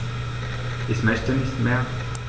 Ich möchte nicht mehr.